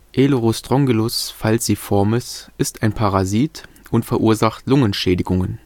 Aelurostrongylus falciformis ist ein Parasit und verursacht Lungenschädigungen